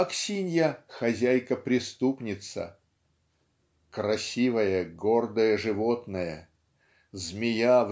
Аксинья - хозяйка-преступница. "Красивое гордое животное" "змея